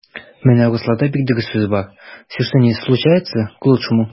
Менә урысларда бик дөрес сүз бар: "все, что ни случается - к лучшему".